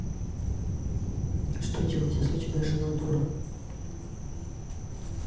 что делать если у тебя жена дура